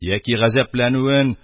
Ягъни гаҗәпләнүен